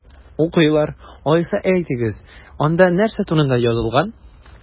Укыйлар! Алайса, әйтегез, анда нәрсә турында язылган?